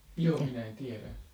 joo minä en tiedä